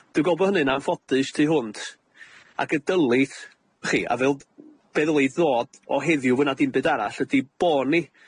Dwi'n gwel' bo' hynny'n anffodus tu hwnt, ag y dylid y'chi a fel d- be' ddylid ddod o heddiw fwy na dim byd arall, ydi bo' ni